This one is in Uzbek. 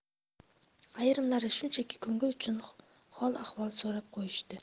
ayrimlari shunchaki ko'ngil uchun hol ahvol so'rab qo'yishdi